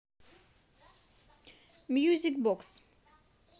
мьюзик бокс